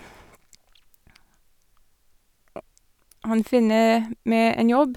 Han finne meg en jobb.